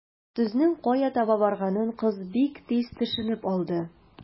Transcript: Сүзнең кая таба барганын кыз бик тиз төшенеп алды.